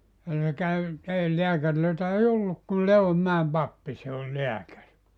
ja se kävi ei lääkäreitä ei ollut kuin Leivonmäen pappi se oli lääkäri